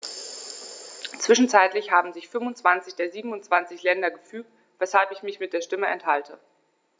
Zwischenzeitlich haben sich 25 der 27 Länder gefügt, weshalb ich mich der Stimme enthalte.